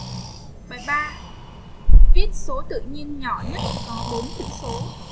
bài viết số tự nhiên nhỏ nhất có bốn chữ số